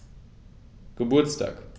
Geburtstag